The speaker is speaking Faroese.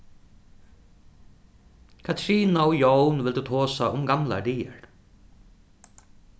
katrina og jón vildu tosa um gamlar dagar